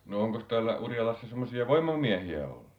no onkos täällä Urjalassa semmoisia voimamiehiä ollut